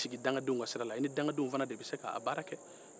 n'i y'i sigi dagandenw ka sira la i ni dagandenw fana de bɛ se k'a baara kɛ